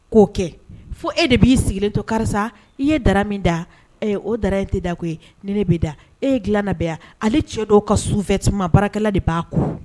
K'o kɛ fo e de b'i sigilen to karisa i ye dara min da o dara in tɛ da koyi ye ni ne bɛ da e dila labɛn yan ale cɛ dɔw ka su fɛtuma baarakɛla de b'a ko